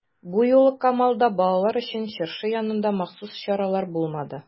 Бу юлы Камалда балалар өчен чыршы янында махсус чаралар булмады.